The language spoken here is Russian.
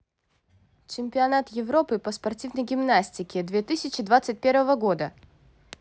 чемпионат европы по спортивной гимнастике две тысячи двадцать первого года